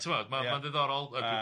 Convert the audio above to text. timod ma'n ma'n ddiddorol,